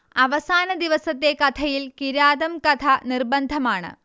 അവസാനദിവസത്തെ കഥയിൽ കിരാതംകഥ നിർബന്ധമാണ്